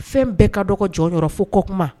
Fɛn bɛɛ ka dɔgɔ jɔn yɔrɔ fɔ kɔ kuma